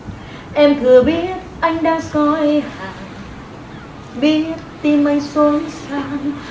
em thừa biết anh đang soi hàng biết tim anh xốn xang